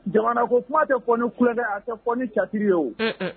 Jamana ko kuma tɛoni kukɛ a tɛ fɔoni catiri ye o